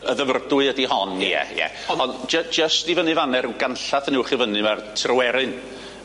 Y Ddyfrdwy ydi hon ie ie ond jy- jyst i fyny fan 'ne ryw ganllath yn uwch i fyny ma'r Tryweryn